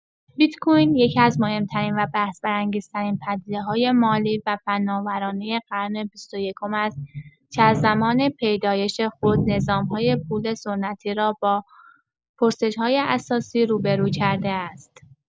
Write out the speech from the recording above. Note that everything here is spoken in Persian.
بیت‌کوین یکی‌از مهم‌ترین و بحث‌برانگیزترین پدیده‌های مالی و فناورانه قرن بیست‌ویکم است که از زمان پیدایش خود، نظام‌های پولی سنتی را با پرسش‌های اساسی روبه‌رو کرده است.